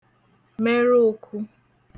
merụ ukhu